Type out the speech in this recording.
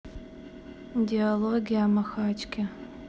диалоги о махачке